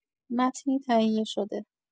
متنی تهیه‌شده